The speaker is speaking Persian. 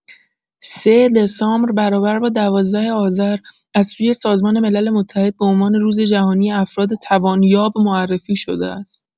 ۳ دسامبر برابر با ۱۲ آذر از سوی سازمان ملل متحد به عنوان روز جهانی افراد توان‌یاب معرفی شده است.